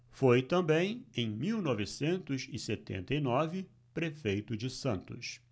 foi também em mil novecentos e setenta e nove prefeito de santos